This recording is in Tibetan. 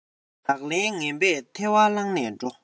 ལག ལེན ངན པས ཐལ བ བསླངས ནས འགྲོ